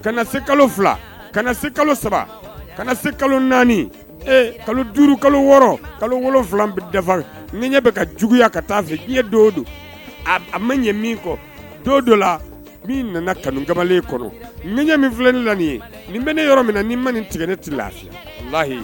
Ka se kalo fila ka na se kalo saba ka na se kalo naani ee kalo duuru kalo wɔɔrɔ kalofila dafa nii ɲɛ bɛ ka juguyaya ka taa fɛ do don a ma ɲɛ min kɔ do dɔ la n'i nana kanu kamalen kɔrɔ min ɲɛ min filɛ la nin ye nin bɛ ne yɔrɔ min na ni ma nin tigɛ ne ti lahiyi